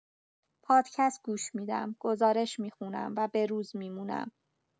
پادکست گوش می‌دم، گزارش می‌خونم و به‌روز می‌مونم.